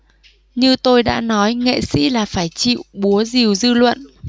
như tôi đã nói nghệ sĩ là phải chịu búa rìu dư luận